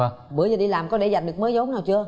bữa giờ đi làm của để dành được mới vốn nào chưa